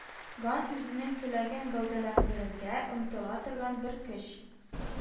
Ган, үзенең теләген гәүдәләндерергә омтыла торган бер көч